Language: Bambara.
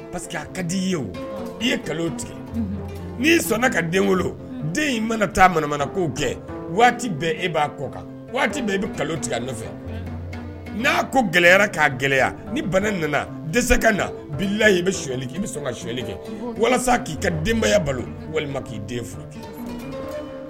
Ka di i ye i ye kalo tigɛ n' sɔnna ka den den mana taamana ko kɛ waati bɛn e'a kɔ kan waati i bɛ kalo tigɛ a nɔfɛ n'a ko gɛlɛyayara k'a gɛlɛya ni bana nana dɛsɛse ka nala i bɛli i bɛ sɔn ka suli kɛ walasa k'i ka denbayaya balo walima k'i den